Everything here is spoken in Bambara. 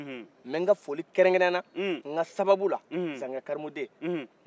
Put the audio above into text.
n bɛ n ka foli kɛrɛnan n ka sababu la zankɛ karmo den